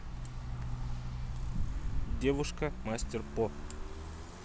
девушка мастер по